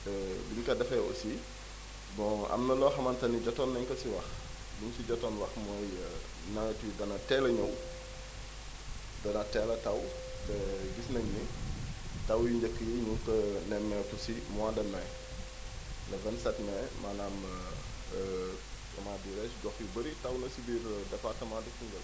bi ñu ko defee aussi bon am na loo xamante ni jotoon nañu ko ci wax li ñu si jotoon wax mooy nawet wi dana teel a ñëw dana teel a taw te gis nañu ni taw yu njëkk yi ñu ngi ko nemmeeeku si mois de mai le 27 mai maanaam comment dirais je :frab gox yu bëri taw na si biir département de Koungheul